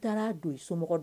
N taara don ye so